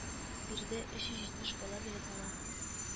Биредә өч йөз җитмеш бала белем ала